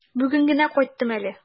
Бүген генә кайттым әле.